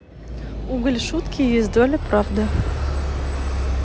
уголь шутки есть доля правды